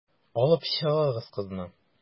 Алып чыгыгыз кызны.